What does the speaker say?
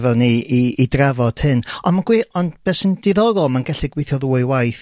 efo ni i i drafod hyn ond ma'n gwir be sy'n ddiddorol ma'n gallu gweithio ddwywaith